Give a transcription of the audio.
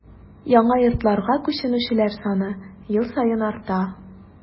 Яңа йортларга күченүчеләр саны ел саен арта.